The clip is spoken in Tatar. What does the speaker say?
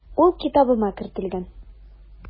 Ул китабыма кертелгән.